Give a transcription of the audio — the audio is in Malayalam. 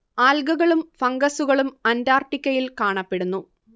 ആൽഗകളും ഫംഗസുകളും അന്റാർട്ടിക്കയിൽ കാണപ്പെടുന്നു